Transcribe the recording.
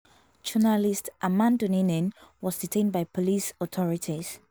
Journalist Armando Nenane was detained by police authorities.